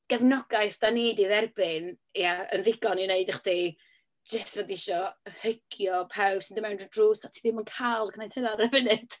gefnogaeth dan ni 'di dderbyn, ia, yn ddigon i wneud i chdi jyst fod isio hygio pawb sy'n mynd mewn drws. A ti ddim yn cael gwneud hynna ar y funud !